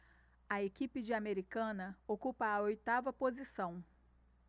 a equipe de americana ocupa a oitava posição